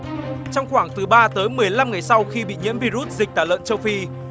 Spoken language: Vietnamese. trong khoảng từ ba tới mười lăm ngày sau khi bị nhiễm vi rút dịch tả lợn châu phi